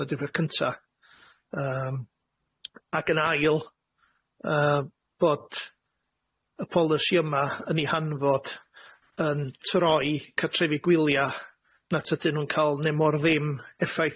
Na di'r peth cynta yym ac yn ail yy bod y polisi yma yn eu hanfod yn troi cartrefi gwylia nat ydyn nw'n ca'l ne mor ddim effaith